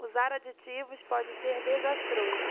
usar aditivos pode ser desastroso